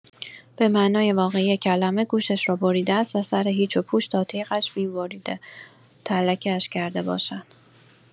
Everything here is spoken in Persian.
به معنای واقعی کلمه گوشش را بریده است و سر هیچ و پوچ تا تیغ‌اش می‌بریده تلکه‌اش کرده باشد.